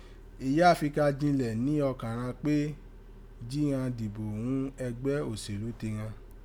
Eyi a fi ka jinlẹ̀ ni ọkan ghan pe ji ghan dibo ghún ẹgbẹ oṣelu teghan.